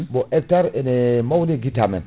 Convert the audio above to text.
bon hectare ene mawni e guite amen